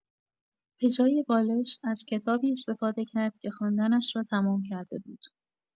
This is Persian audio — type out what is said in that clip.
به‌جای بالش از کتابی استفاده کرد که خواندنش را تمام کرده بود.